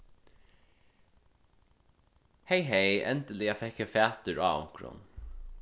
hey hey endiliga fekk eg fatur á onkrum